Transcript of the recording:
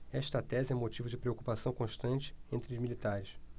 esta tese é motivo de preocupação constante entre os militares